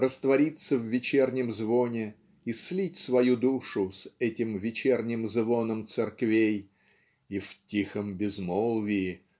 раствориться в вечернем звоне и слить свою душу с этим вечерним звоном церквей и "в тихом безмолвии